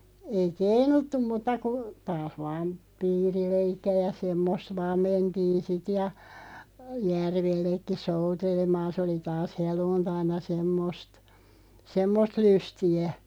ei keinuttu mutta kun taas vain piirileikkiä ja semmoista vain mentiin sitten ja järvellekin soutelemaan se oli taas helluntaina semmoista semmoista lystiä